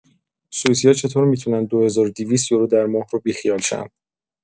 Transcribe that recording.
سوئیسیا چطور می‌تونن ۲۲۰۰ یورو در ماه رو بیخیال شن؟